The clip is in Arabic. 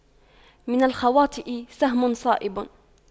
من الخواطئ سهم صائب